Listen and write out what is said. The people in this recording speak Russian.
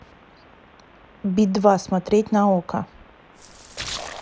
би два смотреть на окко